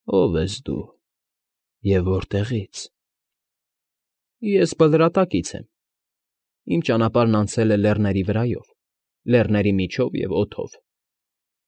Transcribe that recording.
Ո՞վ ես դու և որտեղի՞ց։ ֊ Ես Բլրատակից եմ. իմ ճանապարհն անցել է լեռների վրայով, լեռների միջով և օդով։